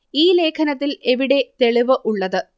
ഈ ലേഖനത്തിൽ എവിടെ തെളിവ് ഉള്ളത്